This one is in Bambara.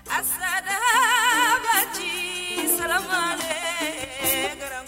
A sirajɛ ka jigin sakuma tɛ